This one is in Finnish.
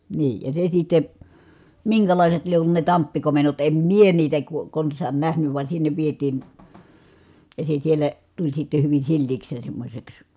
niin ja se sitten minkälaiset lie ollut ne tamppikomennot en minä niitä - konsaan nähnyt vaan sinne vietiin ja se siellä tuli sitten hyvin sileäksi ja semmoiseksi